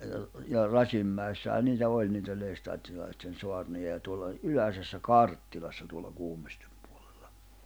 ja - ja Rasinmäessähän niitä oli niitä lestadiolaisten saarnoja ja tuolla oli Yläsessä Karttilassa tuolla Kuhmoisten puolella